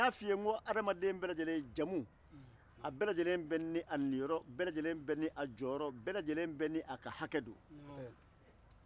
n m'a f'i ye ko hadamaden bɛɛ lajɛlen jamu a bɛɛ lajɛlen ni a ninyɔrɔ bɛɛ lajɛlen ni jɔyɔrɔ a bɛɛ lajɛlen ni a ka hakɛ don